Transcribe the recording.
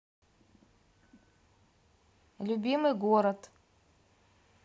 любимый город